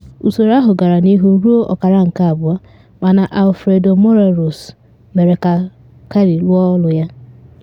Usoro ahụ gara n’ihu ruo ọkara nke abụọ, mana Alfredo Morelos mere ka Kelly rụọ ọrụ ya.